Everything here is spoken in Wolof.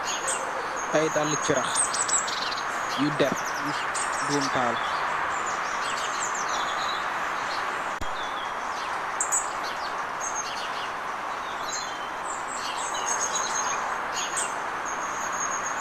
Ay dalle carax, yu der, yu domtahal